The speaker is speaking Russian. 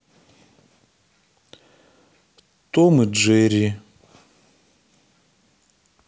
том и джерри